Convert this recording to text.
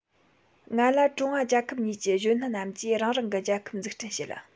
ང ལ ཀྲུང ཨ རྒྱལ ཁབ གཉིས ཀྱི གཞོན ནུ རྣམས ཀྱིས རང རང གི རྒྱལ ཁབ འཛུགས སྐྲུན བྱེད